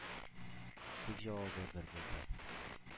Тик җавабы бер булды: